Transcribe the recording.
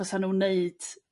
fysa nhw 'neud